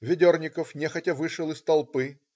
Ведерников нехотя вышел из толпы.